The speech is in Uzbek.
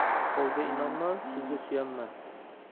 folga inonma suvga suyanma